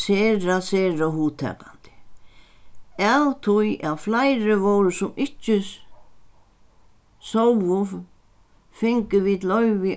sera sera hugtakandi av tí at fleiri vóru sum ikki sóu fingu vit loyvi